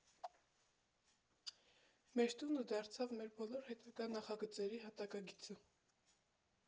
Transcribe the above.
Մեր տունը դարձավ մեր բոլոր հետագա նախագծերի հատակագիծը։